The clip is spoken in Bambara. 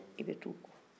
i bɛ t' u kɔ